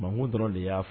Mamu dɔrɔn de y'a fɔ.